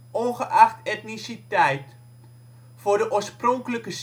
ongeacht etniciteit. Voor de " oorspronkelijke